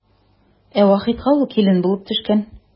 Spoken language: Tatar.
Ә Вахитка ул килен булып төшкән.